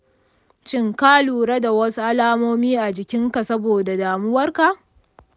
shin ka lura da wasu alamomi a jikin ka saboda damuwarka?